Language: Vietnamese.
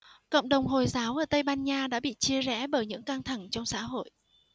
cộng đồng hồi giáo ở tây ban nha đã bị chia rẽ bởi những căng thẳng trong xã hội